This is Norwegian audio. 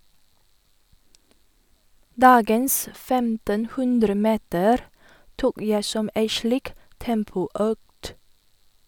Dagens femtenhundremeter tok jeg som ei slik tempoøkt.